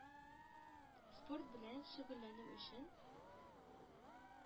Спорт белән шөгыльләнү өчен,